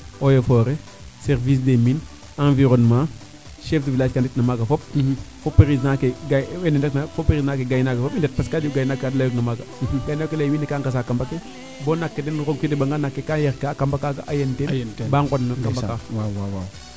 eaux et foret service des mines environnement chef du village ke ndaf na maaga fop fo president ke gay naak we fop parce kaa jeg u gay naak waa ndef na maaga gay naak we leye wiin we ga ngasa kama ke bo naak ke dem roog fe demba nga kaa yer ka kama kamba kaaga a yen teen baa ŋon no kamba kaa